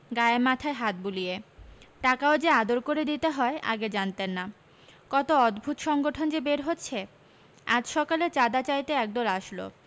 গায়ে মাথায় হাত বুলিয়ে টাকাও যে আদর করে দিতে হয় আগে জানতেন না কত অদ্ভুত সংগঠন যে বের হচ্ছে আজ সকালে চাঁদা চাইতে একদল আসল